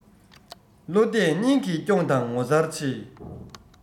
བློ གཏད སྙིང གིས སྐྱོང དང ངོ མཚར ཆེ